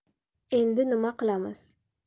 endi nima qilamiz